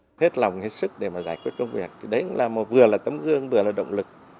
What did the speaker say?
hết lòng hết sức để mà giải quyết công việc thì đấy là một vừa là tấm gương vừa là động lực